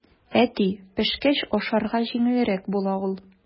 Әти, пешкәч ашарга җиңелрәк була ул.